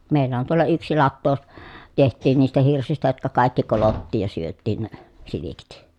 meillä on tuolla yksi lato tehtiin niistä hirsistä jotka kaikki kolottiin ja syötiin ne silkki